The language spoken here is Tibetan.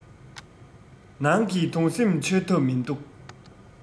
ནང གི དུང སེམས ཆོད ཐབས མིན འདུག